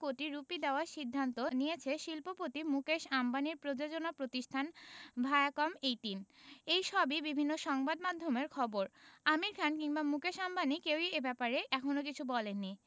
কোটি রুপি দেওয়ার সিদ্ধান্ত নিয়েছে শিল্পপতি মুকেশ আম্বানির প্রযোজনা প্রতিষ্ঠান ভায়াকম এইটিন এই সবই বিভিন্ন সংবাদমাধ্যমের খবর আমির খান কিংবা মুকেশ আম্বানি কেউই এ ব্যাপারে এখনো কিছু বলেননি